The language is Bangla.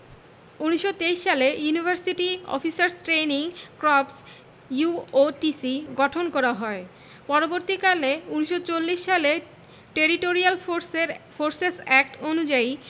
১৯২৩ সালে University Officers Training Corps UOTC গঠন করা হয় পরবর্তীকালে ১৯৪০ সালের টেরিটরিয়াল ফর্সের ফর্সেস এক্ট অনুযায়ী